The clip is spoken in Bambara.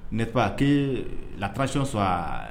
Ne pas que la passion soit